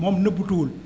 moom nëbatuwul